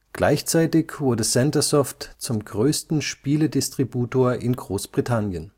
Gleichzeitig wurde Centresoft zum größten Spiele-Distributor in Großbritannien